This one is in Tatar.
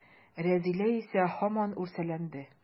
Рәзилә исә һаман үрсәләнде.